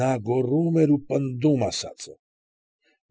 Նա գոռում էր ու պնդում ասածը։